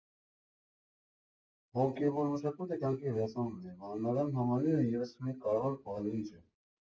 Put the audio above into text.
Հոգևոր֊մշակութային կյանքի վերածնունդը վանական համալիրում ևս մեկ կարևոր բաղադրիչ է։